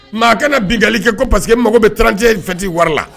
Maa kɛnɛ binkali kɛ ko paseke mago bɛ tranc in fɛti wari la